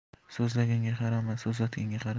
so'zlaganga qarama so'zlatganga qara